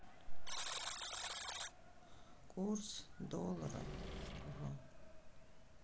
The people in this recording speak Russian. курс доллара в